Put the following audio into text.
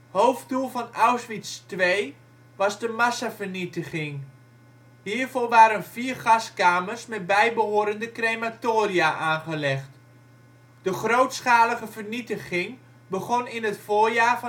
Hoofddoel van Auschwitz II was de massavernietiging. Hiervoor waren vier gaskamers met bijbehorende crematoria aangelegd. De grootschalige vernietiging begon in het voorjaar